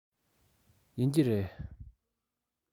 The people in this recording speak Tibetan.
ཡིན གྱི རེད